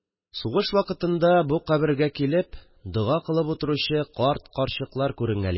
Сугыш вакытында бу кабергә килеп дога кылып утыручы карт-карчыклар күренгәли